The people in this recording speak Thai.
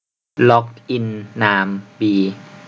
ล็อกอินนามบี